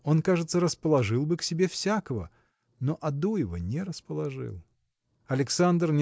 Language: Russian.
Он, кажется, расположил бы к себе всякого, но Адуева не расположил. Александр